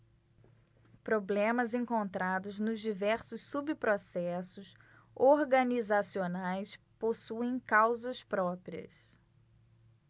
problemas encontrados nos diversos subprocessos organizacionais possuem causas próprias